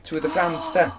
Tour de France 'de?